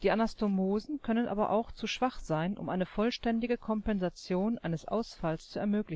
Anastomosen können aber auch zu schwach sein, um eine vollständige Kompensation eines Ausfalls zu ermöglichen. In